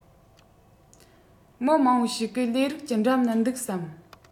མི མང པོ ཞིག གིས ལས རིགས ཀྱི འགྲམ ན འདུག བསམ